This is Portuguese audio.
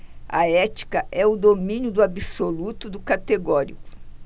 a ética é o domínio do absoluto do categórico